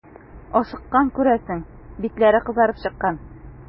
Ашыккан, күрәсең, битләре кызарып чыккан.